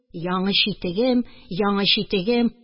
Яңы читегем, яңы читегем